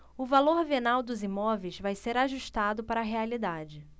o valor venal dos imóveis vai ser ajustado para a realidade